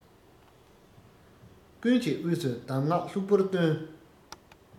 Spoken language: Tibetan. ཀུན གྱི དབུས སུ གདམས ངག ལྷུག པར སྟོན